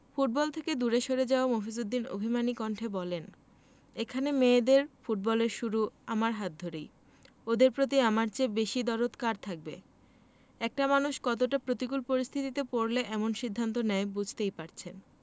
football থেকে দূরে সরে যাওয়া মফিজ উদ্দিন অভিমানী কণ্ঠে বলেন এখানে মেয়েদের ফুটবল শুরু আমার হাত ধরেই ওদের প্রতি আমার চেয়ে বেশি দরদ কার থাকবে একটা মানুষ কতটা প্রতিকূল পরিস্থিতিতে পড়লে এমন সিদ্ধান্ত নেয় বুঝতেই পারছেন